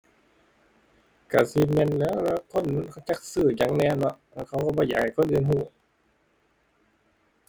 ก็สิแม่นแหล้ว แต่ละคนมันก็จักซื้อหยังแหน่เนาะ อั่น เขาก็บ่อยากให้คนอื่นก็